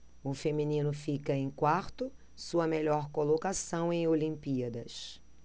o feminino fica em quarto sua melhor colocação em olimpíadas